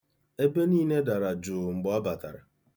Ebe niile dara jụụ mgbe ọ batara.